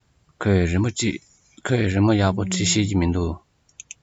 ཁོས ཡག པོ འབྲི ཤེས ཀྱི མིན འདུག